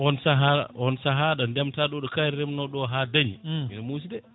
on saaha on saaha ɗo ndemta ɗo ɗo kaari remnoɗo ha dañi ene muusi de